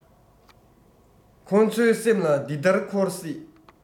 ཁོ ཚོའི སེམས ལ འདི ལྟར མཁོར སྲིད